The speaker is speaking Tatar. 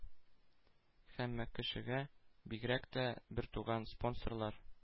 Һәммә кешегә, бигрәк тә бертуган спонсорлар